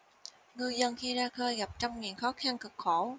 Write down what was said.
ngư dân khi ra khơi gặp trăm ngàn khó khăn cực khổ